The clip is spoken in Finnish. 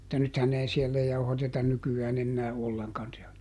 mutta nythän ei siellä jauhateta nykyään enää ollenkaan siellä